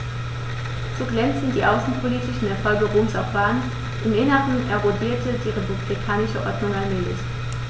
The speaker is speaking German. So glänzend die außenpolitischen Erfolge Roms auch waren: Im Inneren erodierte die republikanische Ordnung allmählich.